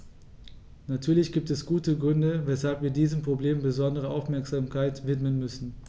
Natürlich gibt es gute Gründe, weshalb wir diesem Problem besondere Aufmerksamkeit widmen müssen.